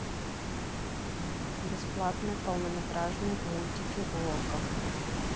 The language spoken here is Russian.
бесплатные полнометражные мультики в окко